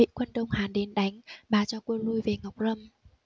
quân đông hán đến đánh bà cho quân lui về ngọc lâm